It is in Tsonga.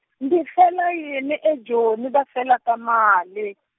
ndzi fela yini eJoni va felaka mali ?